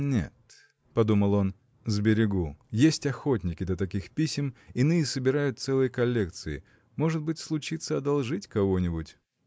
Нет, – подумал он, – сберегу: есть охотники до таких писем иные собирают целые коллекции – может быть случится одолжить кого-нибудь.